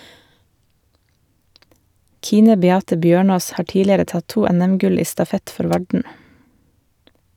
Kine Beate Bjørnås har tidligere tatt to NM-gull i stafett for Varden.